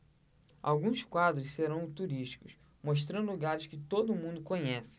alguns quadros serão turísticos mostrando lugares que todo mundo conhece